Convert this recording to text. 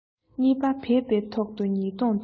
གཉིས པ བེས པའི ཐོག ཏུ ཉེས རྡུང ཐོང